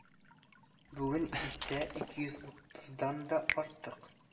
Бүген исә 230-дан да артык.